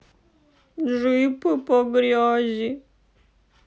джипы по грязи